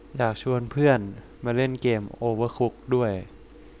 อยากชวนเพื่อนมาเล่นเกมโอเวอร์คุกด้วย